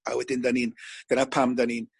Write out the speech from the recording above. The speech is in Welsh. a wedyn 'dan ni'n dyna pam 'dan ni'n